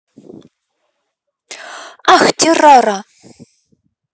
ах террора